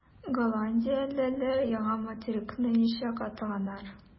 Голландиялеләр яңа материкны ничек атаганнар?